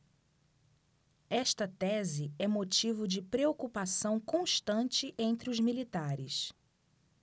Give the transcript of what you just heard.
esta tese é motivo de preocupação constante entre os militares